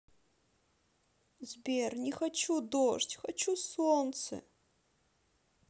сбер не хочу дождь хочу солнце